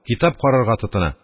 Китап карарга тотына,